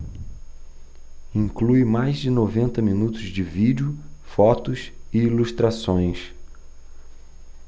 inclui mais de noventa minutos de vídeo fotos e ilustrações